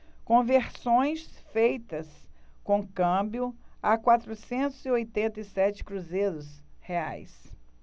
conversões feitas com câmbio a quatrocentos e oitenta e sete cruzeiros reais